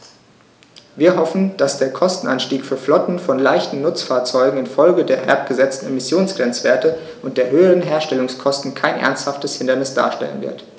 Wir hoffen, dass der Kostenanstieg für Flotten von leichten Nutzfahrzeugen in Folge der herabgesetzten Emissionsgrenzwerte und der höheren Herstellungskosten kein ernsthaftes Hindernis darstellen wird.